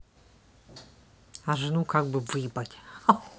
а жену как бы выебать